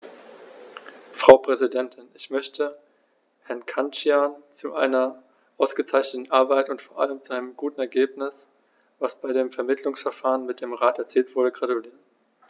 Frau Präsidentin, ich möchte Herrn Cancian zu seiner ausgezeichneten Arbeit und vor allem zu dem guten Ergebnis, das bei dem Vermittlungsverfahren mit dem Rat erzielt wurde, gratulieren.